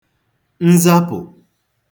nzapụ̀